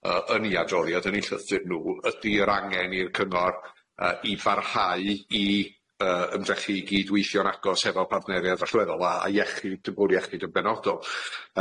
Yy yn i adolyad yn i llythyr nw ydi yr angen i'r cyngor yy i farhau i yy ymdrechu i gyd-weithio'n agos efo partneriaeth allweddol a a iechyd y bwr iechyd yn benodol